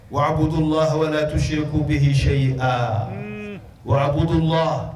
, un,